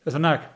Beth bynnag.